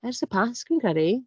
Ers y Pasg fi'n credu.